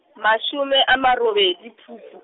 mashome a ma robedi, Phupu.